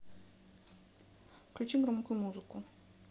включи громкую музыку